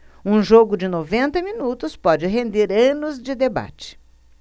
um jogo de noventa minutos pode render anos de debate